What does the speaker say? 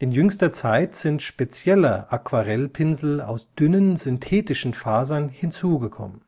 jüngster Zeit sind spezielle Aquarellpinsel aus dünnen synthetischen Fasern hinzugekommen